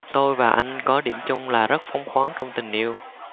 tôi và anh có điểm chung là rất phóng khoáng trong tình yêu